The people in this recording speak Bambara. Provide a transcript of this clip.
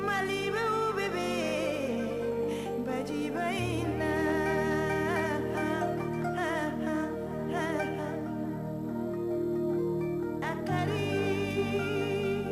Malilibaw bɛɛ bɛ bajiba in na